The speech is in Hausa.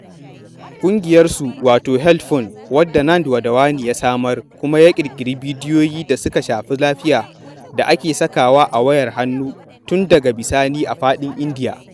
Ƙungiyarsu wato HealthPhone, wadda Nand Wadhwani ya samar kuma ya ƙirƙiri bidiyoyi da suka shafi lafiya da ake sakawa a wayar hannu tun daga bisani a faɗin India.